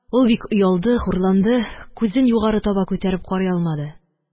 Ул бик оялды, хурланды, күзен югары таба күтәреп карый алмады